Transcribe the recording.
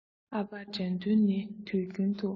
ཨ ཕ དགྲ འདུལ ནི དུས རྒྱུན དུ